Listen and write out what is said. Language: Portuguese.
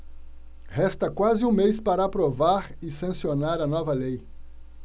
resta quase um mês para aprovar e sancionar a nova lei